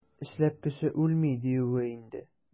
Эшләп кеше үлми, диюе инде.